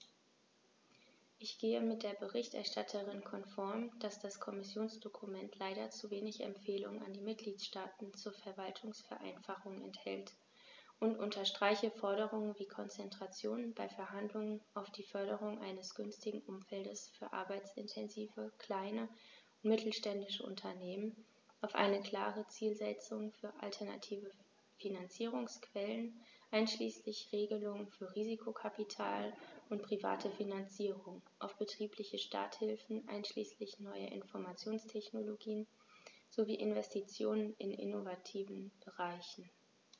Ich gehe mit der Berichterstatterin konform, dass das Kommissionsdokument leider zu wenig Empfehlungen an die Mitgliedstaaten zur Verwaltungsvereinfachung enthält, und unterstreiche Forderungen wie Konzentration bei Verhandlungen auf die Förderung eines günstigen Umfeldes für arbeitsintensive kleine und mittelständische Unternehmen, auf eine klare Zielsetzung für alternative Finanzierungsquellen einschließlich Regelungen für Risikokapital und private Finanzierung, auf betriebliche Starthilfen einschließlich neuer Informationstechnologien sowie Investitionen in innovativen Bereichen.